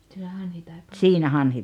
siellä Hanhitaipaleessa